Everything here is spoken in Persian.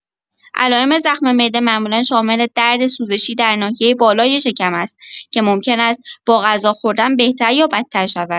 علائم زخم معده معمولا شامل درد سوزشی در ناحیه بالای شکم است که ممکن است با غذا خوردن بهتر یا بدتر شود.